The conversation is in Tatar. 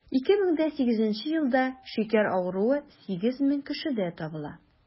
2008 елда шикәр авыруы 8 мең кешедә табыла.